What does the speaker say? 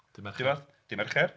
Dydd Mercher... Dydd Mercher.